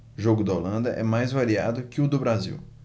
jogo da holanda é mais variado que o do brasil